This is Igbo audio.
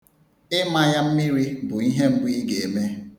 Ịma ya mmiri bụ ihe mbụ ị ga-eme.